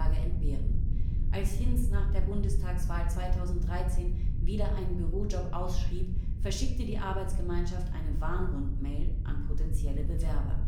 entbehren “. Als Hinz nach der Bundestagswahl 2013 wieder einen Bürojob ausschrieb, verschickte die Arbeitsgemeinschaft eine „ Warn-Rundmail “an potenzielle Bewerber